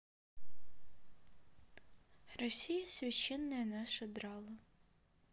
россия священная наша драла